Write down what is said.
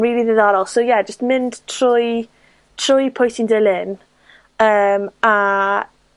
rili ddiddorol. So ie, jyst mynd trwy, trwy pwy ti'n dilyn, yym a